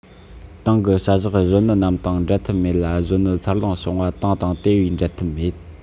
ཏང གི བྱ གཞག གཞོན ནུ རྣམས དང བྲལ ཐབས མེད ལ གཞོན ནུ འཚར ལོངས བྱུང བ ཏང དང དེ བས བྲལ ཐབས མེད